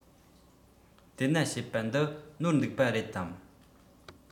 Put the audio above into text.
དེ ན བཤད པ འདི ནོར འདུག པ རེད དམ